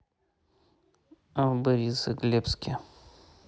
а в борисоглебске